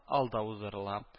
Алда уздырыла